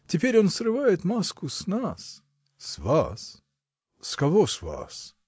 Теперь он срывает маску с нас. — С вас? С кого — с вас?